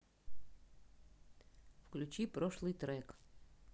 включи прошлый трек